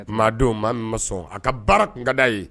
Maa don maa min ma sɔn a ka baara kun kadaa ye